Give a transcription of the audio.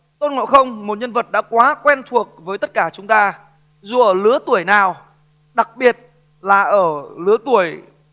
tôn ngộ không một nhân vật đã quá quen thuộc với tất cả chúng ta dù ở lứa tuổi nào đặc biệt là ở lứa tuổi